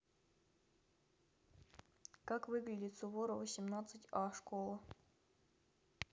как выглядит суворова семнадцать а школа